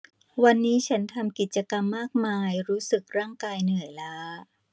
วันนี้ฉันทำกิจกรรมมากมายรู้สึกร่างกายเหนื่อยล้า